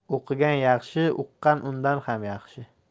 o'qigan yaxshi uqqan undan ham yaxshi